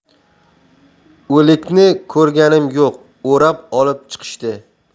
o'likni ko'rganim yo'q o'rab olib chiqishdi